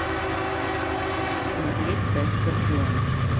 смотреть царь скорпионов